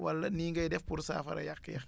wala nii ngay def pour saafara yàq-yàqu yi